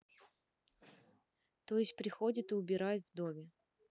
то есть приходят и убирают в доме